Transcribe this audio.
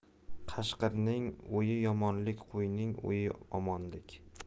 qashqirning o'yi yomonlik qo'yning o'yi omonlik